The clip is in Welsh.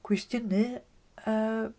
Cwestiynnu yy...